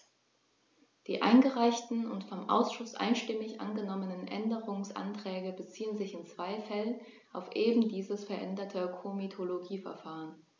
Die eingereichten und vom Ausschuss einstimmig angenommenen Änderungsanträge beziehen sich in zwei Fällen auf eben dieses veränderte Komitologieverfahren.